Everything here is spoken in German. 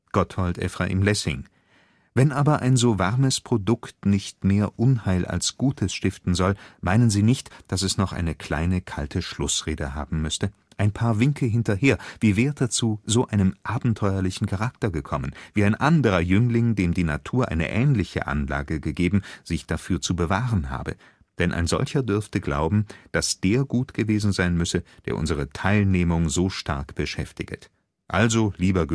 Gotthold Ephraim Lessing: […] Wenn aber ein so warmes Produkt nicht mehr Unheil als Gutes stiften soll: meinen sie nicht, daß es noch eine kleine kalte Schlußrede haben müsste? Ein paar Winke hinterher, wie Werther zu so einem abenteuerlichen Charakter gekommen; wie ein andrer Jüngling, dem die Natur eine ähnliche Anlage gegeben, sich dafür zu bewahren habe. Denn ein solcher dürfte […] glauben, daß der gut gewesen sein müsse, der unsere Teilnehmung so stark beschäftiget. […] Also, lieber